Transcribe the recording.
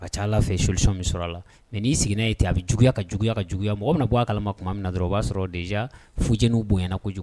Ka ca fɛ selilisɔn min sɔrɔ a la n'i sigilen ten a bɛ juguyaya ka juguyaya ka juguyaya mɔgɔ na bɔ a kala tuma min na dɔrɔn o b'a sɔrɔ dezja fu jw bonyay ɲɛnako kojugu